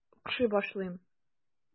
Укшый башлыйм.